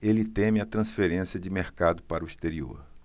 ele teme a transferência de mercado para o exterior